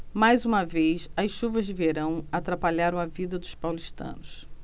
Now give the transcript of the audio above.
mais uma vez as chuvas de verão atrapalharam a vida dos paulistanos